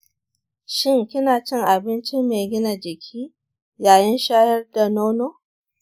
shin kina cin abinci mai gina jiki yayin shayar da nono?